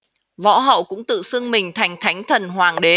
võ hậu cũng tự xưng mình thành thánh thần hoàng đế